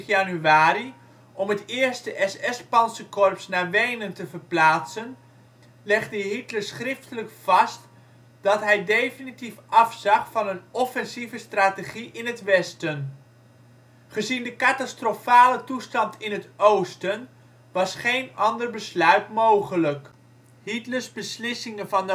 januari om het 1e SS-pantserkorps naar Wenen te verplaatsen legde Hitler schriftelijk vast dat hij definitief afzag van een offensieve strategie in het westen. Gezien de catastrofale toestand in het oosten was geen ander besluit mogelijk. Hitlers beslissingen van